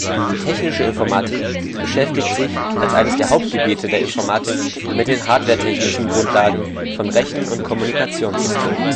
Die Technische Informatik beschäftigt sich als eines der Hauptgebiete der Informatik mit den hardwaretechnischen Grundlagen von Rechen - und Kommunikationssystemen